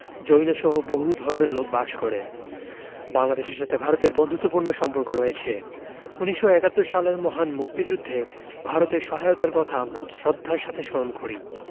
জৈনসহ বহু ধর্মের লোক বাস করে বাংলাদেশের সঙ্গে ভারতের বন্ধুত্তপূর্ণ সম্পর্ক রয়ছে ১৯৭১ সালের মহান মুক্তিযুদ্ধে ভারতের সহায়তার কথা আমরা শ্রদ্ধার সাথে স্মরণ করি